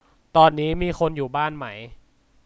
ตอนนี้มีคนอยู่บ้านไหม